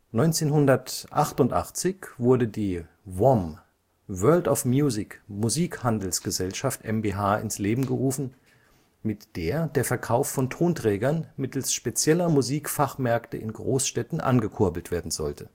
1988 wurde die „ WOM (World of Music) Musikhandelsgesellschaft mbH “ins Leben gerufen, mit der der Verkauf von Tonträgern mittels spezieller Musik-Fachmärkte in Großstädten angekurbelt werden sollte